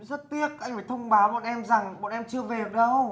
rất tiếc anh phải thông báo với bọn em rằng bọn em chưa về được đâu